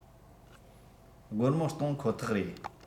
སྒོར མོ གཏོང ཁོ ཐག རེད